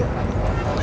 ạ